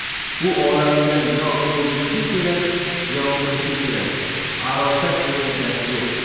u olamda yo o'ldirishing kerak yo o'lishing kerak arosat degan gap yo'q